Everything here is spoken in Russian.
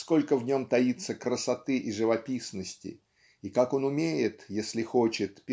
сколько в нем таится красоты и живописности и как он умеет если хочет